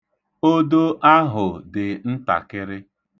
Odo ahụ dị ntakịrị.